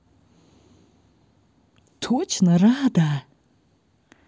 точно рада